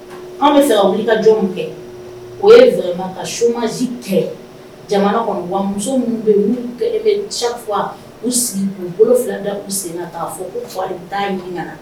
Anw bɛ fɛ ka wuli ka jɔn kɛ o ye fɛma ka somansi kɛ jamana kɔnɔ wa muso minnu bɛ bɛ fɔ u sigi k'u bolo fila da u sen ka taa fɔ k' fa' ɲini nana